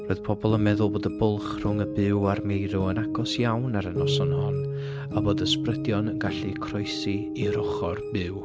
Roedd pobl yn meddwl bod y bwlch rhwng y byw a'r meirw yn agos iawn ar y noson hon a bod ysbrydion yn gallu croesi i'r ochr byw.